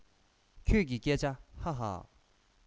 ཁྱོད ཀྱི སྐད ཆ ཧ ཧ